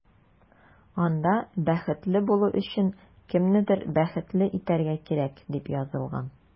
Анда “Бәхетле булу өчен кемнедер бәхетле итәргә кирәк”, дип язылган.